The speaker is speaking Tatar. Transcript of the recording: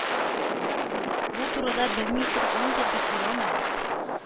Бу турыда белми торгандыр, дип уйламагыз.